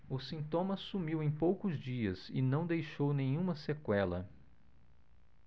o sintoma sumiu em poucos dias e não deixou nenhuma sequela